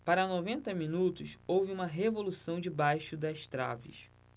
para noventa minutos houve uma revolução debaixo das traves